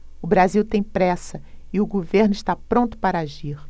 o brasil tem pressa e o governo está pronto para agir